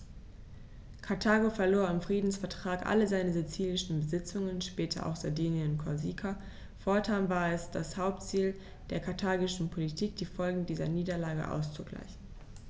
Karthago verlor im Friedensvertrag alle seine sizilischen Besitzungen (später auch Sardinien und Korsika); fortan war es das Hauptziel der karthagischen Politik, die Folgen dieser Niederlage auszugleichen.